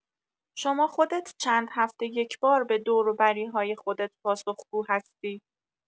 شما خودت چند هفته یک‌بار به دور و بری‌های خودت پاسخگو هستی؟